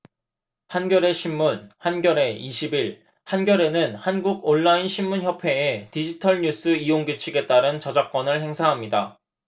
한겨레신문 한겨레 이십 일 한겨레는 한국온라인신문협회의 디지털뉴스이용규칙에 따른 저작권을 행사합니다